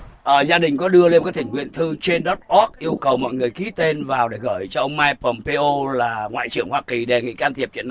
ờ gia đình có đưa lên cái thịnh viện thư trên đắt óp yêu cầu mọi người ký tên vào để gửi cho ông mai pòm pê ô là ngoại trưởng hoa kỳ đề nghị can thiệp chuyện